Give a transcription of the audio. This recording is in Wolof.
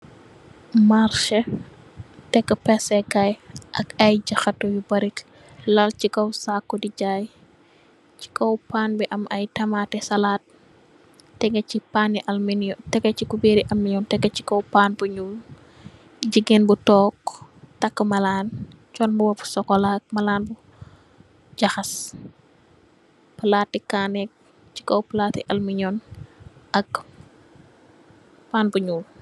marseh tek peseh kai ak ay jakhatu yu yu bari laal ci kaw sako di jaay ci kaw paan bi am ay tamateh salad tegeh ci kuber alminyon tegeh ci kaw paan bu nyool jigeen bu tog tak Malan sol mbuba bu sokola ak Malan jahas palati kaneh ci kaw palati alminyon ak pan bu nyool